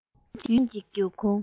ཡུལ ཅན གྱི སྒེའུ ཁུང